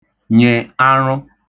nyị̀ aṙụ